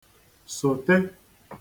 sòtè